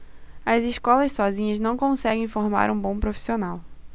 as escolas sozinhas não conseguem formar um bom profissional